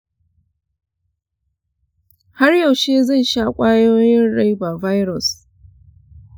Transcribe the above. har yaushe zan sha kwayoyin ribavirin?